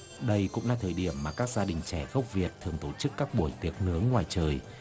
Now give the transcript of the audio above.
đây cũng là thời điểm mà các gia đình trẻ gốc việt thường tổ chức các buổi tiệc nướng ngoài trời